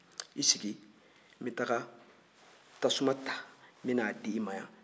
i sigi n bɛ taga tasamu ta n bɛn'a di i ma yan